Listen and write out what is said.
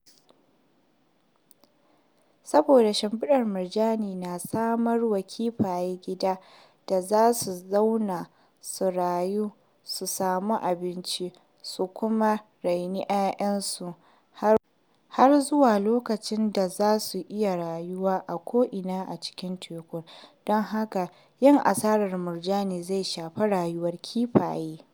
Saboda shimfiɗar murjanin na samarwa kifaye gida da za su zauna su rayu su samu abinci su kuma raini 'ya'yansu har zuwa lokacin da za su iya rayuwa a ko'ina a cikin teku, don haka yin asarar murjanin zai shafi rayuwar kifaye.